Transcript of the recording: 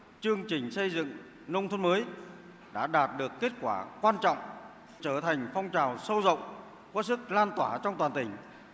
chương trình xây dựng nông thôn mới đã đạt được kết quả quan trọng trở thành phong trào sâu rộng có sức lan tỏa trong toàn tỉnh